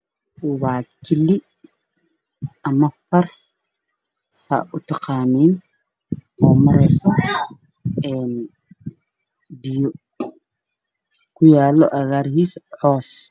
Laakiin ama bar saad u taqaanaynba ku yaallo agaari hoostot